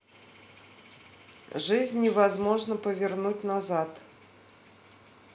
жизнь невозможно повернуть назад